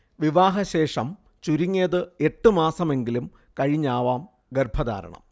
വിവാഹശേഷം ചുരുങ്ങിയത് എട്ട് മാസമെങ്കിലും കഴിഞ്ഞാവാം ഗർഭധാരണം